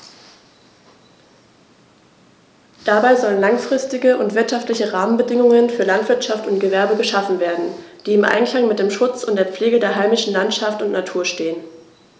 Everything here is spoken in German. Dabei sollen langfristige und wirtschaftliche Rahmenbedingungen für Landwirtschaft und Gewerbe geschaffen werden, die im Einklang mit dem Schutz und der Pflege der heimischen Landschaft und Natur stehen.